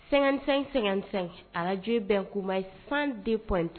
Sɛgɛnsen sɛgɛnsɛn arajo bɛn kuma ma san depte